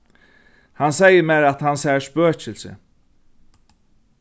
hann segði mær at hann sær spøkilsi